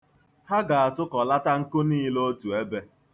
Ha ga-atụkọlata nkụ niile otu ebe.